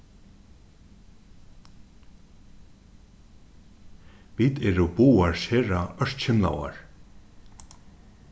vit eru báðar sera ørkymlaðar